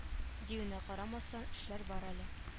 Диюенә карамастан эшләр бар әле